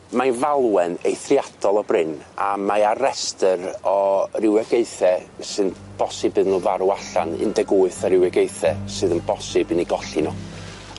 Mae'n falwen eithriadol o brin a mae ar restyr o rywogaethe sy'n bosib iddyn nw farw allan un deg wyth o rywogaethe sydd yn bosib i ni golli nw.